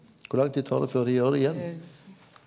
kor lang tid tar det før dei gjer det igjen?